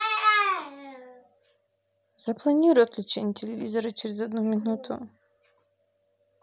запланируй отключение телевизора через одну минуту